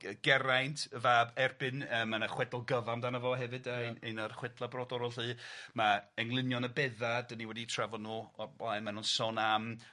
Gy- Geraint, y fab erbyn, yy ma' 'na chwedl gyfa amdano fo hefyd 'de. un o'r chwedla brodorol 'lly ma' englynion y bedda 'dan ni wedi trafod nw o'r blaen, ma' nw'n sôn am